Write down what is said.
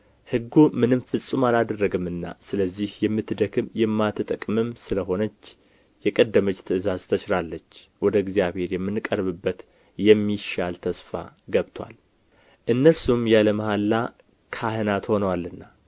ሕጉ ምንም ፍጹም አላደረገምና ስለዚህም የምትደክም የማትጠቅምም ስለሆነች የቀደመች ትእዛዝ ተሽራለች ወደ እግዚአብሔርም የምንቀርብበት የሚሻል ተስፋ ገብቶአል እነርሱም ያለ መሐላ ካህናት ሆነዋልና